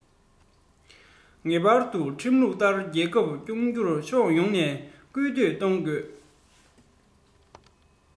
ངེས པར དུ ཁྲིམས ལུགས ལྟར རྒྱལ ཁབ སྐྱོང རྒྱུར ཕྱོགས ཡོངས ནས སྐུལ འདེད གཏོང དགོས